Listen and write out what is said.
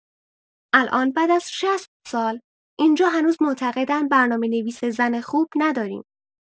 الان بعد ۶۰ سال اینجا هنوز معتقدن برنامه‌نویس زن خوب نداریم.